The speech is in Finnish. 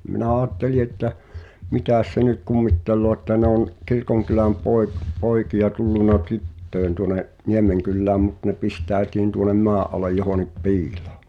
minä ajattelin että mitäs se nyt kummittelee että ne on kirkonkylän - poikia tullut tyttöjen tuonne Niemenkylään mutta ne pistäytyi tuonne maan alle johonkin piiloon